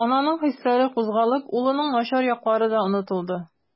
Ананың хисләре кузгалып, улының начар яклары да онытылды.